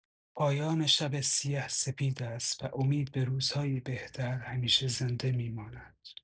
پایان شب سیه سپید است و امید به روزهای بهتر همیشه زنده می‌ماند.